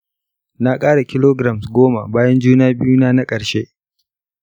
na ƙara kilograms goma bayan juna-biyu na na ƙarshe.